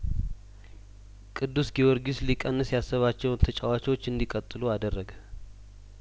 ቅዱስ ጊዮርጊስ ሊቀንስ ያሰባቸውን ተጫዋቾች እንዲ ቀጥሉ አደረገ